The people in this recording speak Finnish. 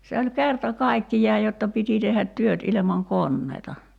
se oli kerta kaikkiaan jotta piti tehdä työt ilman koneita